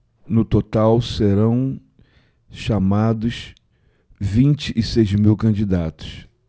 no total serão chamados vinte e seis mil candidatos